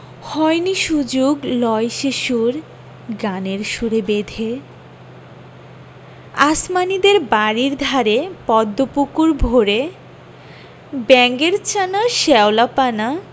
হয়নি সুযুগ লয় সে সুর গানের সুরে বেঁধে আসমানীদের বাড়ির ধারে পদ্ম পুকুর ভরে ব্যাঙের ছানা শ্যাওলা পানা